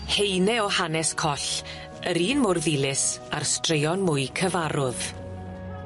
Heine o hanes coll yr un mor ddilys a'r straeon mwy cyfarwdd.